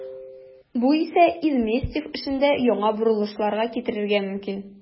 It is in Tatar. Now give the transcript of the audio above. Бу исә Изместьев эшендә яңа борылышларга китерергә мөмкин.